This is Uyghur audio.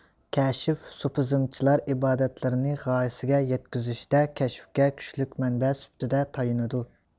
كەشىف سۇپىزمچىلار ئىبادەتلىرىنى غايىسىگە يەتكۈزۈشتە كەشفكە كۈچلۈك مەنبە سۈپىتىدە تايىنىدۇ